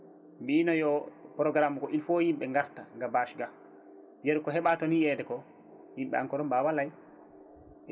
mbino yo programme il faut yimɓe garta ga bâche ga yeeru ko heeɓa toon yiiyede ko yimɓe encore mbawa lay